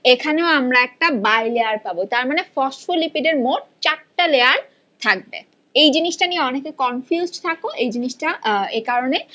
এখানেও আমরা একটা বাই লেয়ার পাব তারমানে ফসফোলিপিড এর মোট চারটা লেয়ার থাকবে এই জিনিসটা নি অনেকে কনফিউজড থাকো এই জিনিসটা এ কারণে